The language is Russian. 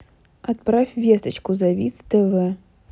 отправь весточку завис тв